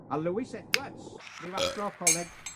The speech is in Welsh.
A Lewis Edwards, ryw athro coleg